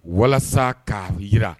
Walasa kaa jira